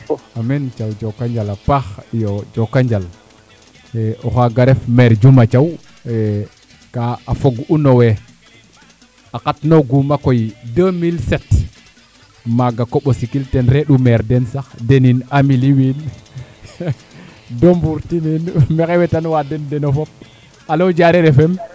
aminn Thiaw joko njal a paax iyo joko njal o xaaga ref mere Diouma Thiaw ka fog'u nowe a qat looguma koy 2007 maaga Kombosikim ten re'u Maire den sax de niin Amy LY in Ndomir Tine in maxey wetan wa den deno fop alo Diareer Fm